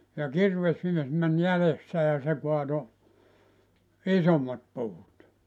ja kirvesmies meni jäljessä ja se kaatoi isommat puut